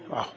waaw